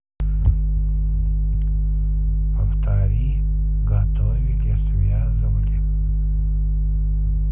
повтори готовили связывали